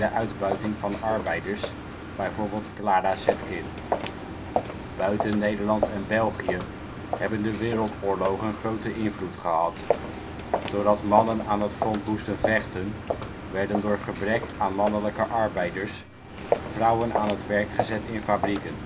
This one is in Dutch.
uitbuiting van arbeiders Clara Zetkin. Buiten Nederland en België hebben de wereldoorlogen grote invloed gehad. Doordat mannen aan het front moesten vechten, werden door gebrek aan mannelijke arbeiders, vrouwen aan het werk gezet in fabrieken